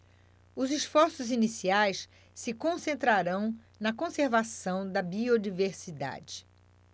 os esforços iniciais se concentrarão na conservação da biodiversidade